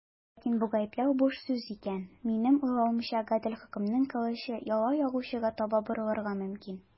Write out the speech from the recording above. Ләкин бу гаепләү буш сүз икән, минем уйлавымча, гадел хөкемнең кылычы яла ягучыга таба борылырга мөмкин.